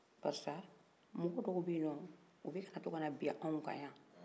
barisa mɔgɔ dɔw bɛ ye nɔn u bɛka to kana bin anw ka yan